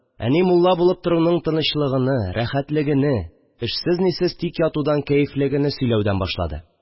Әни мулла булып торуның тынычлыгыны, рәхәтлегене, эшсез-нисез тик ятуның кәефлегене сөйләүдән башлады